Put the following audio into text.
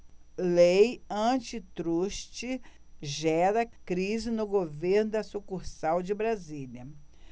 lei antitruste gera crise no governo da sucursal de brasília